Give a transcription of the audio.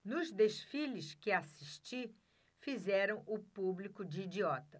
nos desfiles que assisti fizeram o público de idiota